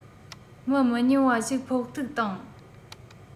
མི མི ཉུང བ ཞིག ཕོག ཐུག བཏང